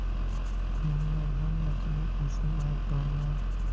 umuman hammasiga o'zim aybdorman